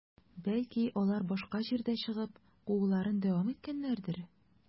Бәлки, алар башка җирдә чыгып, кууларын дәвам иткәннәрдер?